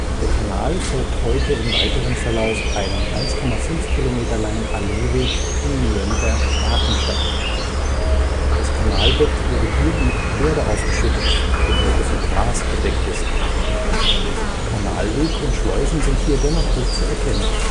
Der Kanal folgt heute im weiteren Verlauf einem 1,5 km langen Alleeweg in Nürnberg-Gartenstadt. Das Kanalbett wurde hier mit Erde aufgeschüttet, die heute von Gras bedeckt ist. Kanalweg und Schleusen sind hier dennoch gut zu erkennen